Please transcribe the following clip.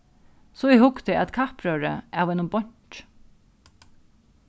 so eg hugdi at kappróðri av einum bonki